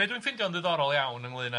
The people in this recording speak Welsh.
Be dwi'n ffindio'n ddiddorol iawn ynglŷn â